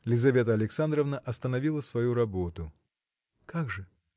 Лизавета Александровна оставила свою работу. – Как же?